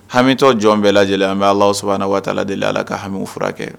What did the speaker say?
Hamitɔ jɔn bɛɛ lajɛ lajɛlen an bɛ ala sabanan waatala de ala ka hamimu furakɛ kɛ